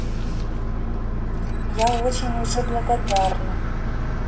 я очень уже благодарна